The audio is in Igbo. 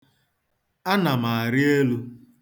Ana m arị elu.